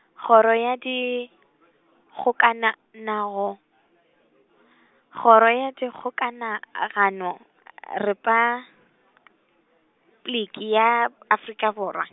kgoro ya di, kgokana nago, kgoro ya Dikgokana- -agano, Repabliki ya Afrika Borwa.